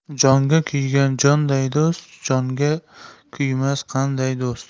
jonga kuygan jonday do'st jonga kuymas qanday do'st